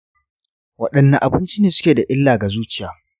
waɗanne abinci ne suke da illa ga zuciya?